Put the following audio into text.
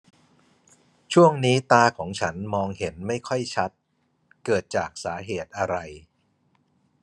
ช่วงนี้ตาของฉันมองเห็นไม่ค่อยชัดเกิดจากสาเหตุอะไร